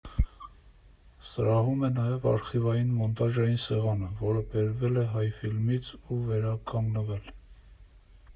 Սրահում է նաև արխիվային մոնտաժային սեղանը, որը բերվել է Հայֆիլմից ու վերականգնվել։